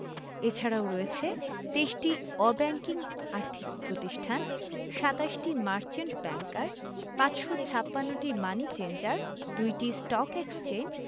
এছাড়াও রয়েছে ২৩টি অব্যাংকিং আর্থিক প্রতিষ্ঠান ২৭টি মার্চেন্ট ব্যাংকার ৫৫৬টি মানি চেঞ্জার ২টি স্টক এক্সচেঞ্জ